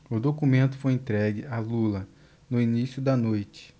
o documento foi entregue a lula no início da noite